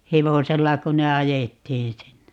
hevosella kun ne ajettiin sinne